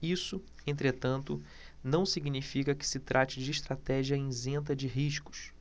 isso entretanto não significa que se trate de estratégia isenta de riscos